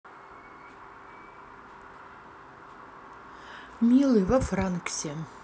милый во франксе